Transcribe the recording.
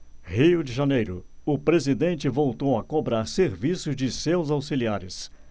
rio de janeiro o presidente voltou a cobrar serviço de seus auxiliares